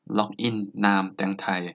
ล็อกอินนามแตงไทย